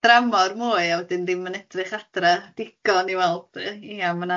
dramor mwy a wedyn ddim yn edrych adre digon i weld ia ma na... Ia.